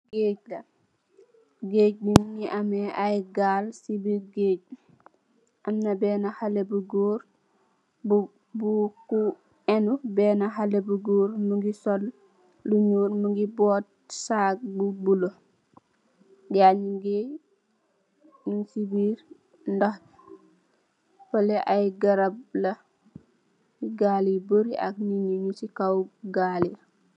Geej la, geej bi mungi ame aye gaal si biir geej bi, amn ben halle bu goor, ku enu bena halle bu goor, mungi so lu nyuul, mungi boot saac bu buleuh, gaay nyungi si biir ndoh, feuleh aye garap la, gaali beuri ak ninyi nyun si kaw gaal.